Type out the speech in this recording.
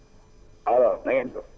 alors na ngeen def